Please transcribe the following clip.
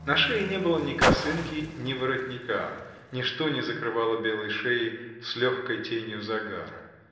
На шее не было ни косынки, ни воротничка: ничто не закрывало белой шеи с легкой тенью загара.